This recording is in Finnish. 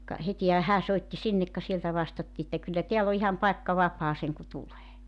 ka hetihän hän soitti sinne ka sieltä vastattiin että kyllä täällä on ihan paikka vapaa sen kuin tulee